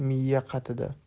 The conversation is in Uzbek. emas miya qatida